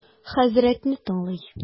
Хәзрәтне тыңлый.